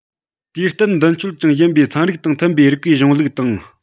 དུས བསྟུན མདུན སྐྱོད ཀྱང ཡིན པའི ཚན རིག དང མཐུན པའི རིགས པའི གཞུང ལུགས དང